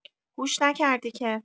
گوش نکردی که.